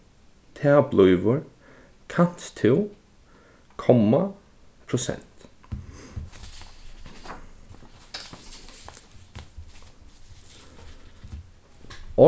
tað blívur kanst tú komma prosent